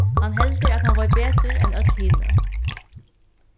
hann heldur at hann veit betur enn øll hini